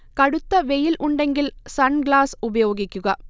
കടുത്ത വെയിൽ ഉണ്ടെങ്കിൽ സൺ ഗ്ലാസ് ഉപയോഗിക്കുക